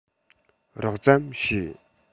རགས ཙམ ཤེས